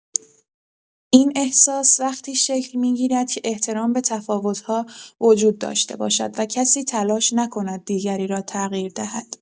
این احساس وقتی شکل می‌گیرد که احترام به تفاوت‌ها وجود داشته باشد و کسی تلاش نکند دیگری را تغییر دهد.